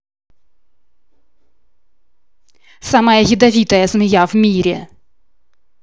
самая ядовитая змея в мире